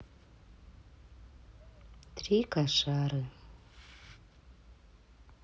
три кошары